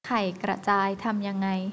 ไข่กระจายทำยังไง